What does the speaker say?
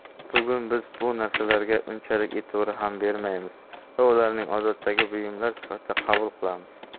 bugun biz bu narsalarga unchalik e'tibor ham bermaymiz va ularni odatdagi buyumlar sifatida qabul qilamiz